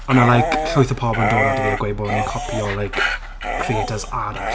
Oedd 'na like llwyth o pobl yn dod ato fi a gweud bod o'n i'n copio like, creators arall.